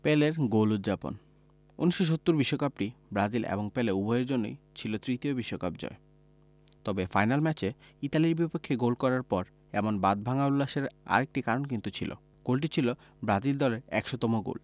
পেলের গোল উদ্যাপন ১৯৭০ বিশ্বকাপটি ব্রাজিল এবং পেলে উভয়ের জন্যই ছিল তৃতীয় বিশ্বকাপ জয় তবে ফাইনাল ম্যাচে ইতালির বিপক্ষে গোল করার পর এমন বাঁধভাঙা উল্লাসের আরেকটি কারণ কিন্তু ছিল গোলটি ছিল ব্রাজিল দলের ১০০তম গোল